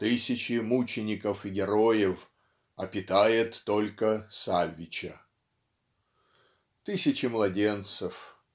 тысячи мучеников и героев а питает только Саввича". Тысячи младенцев.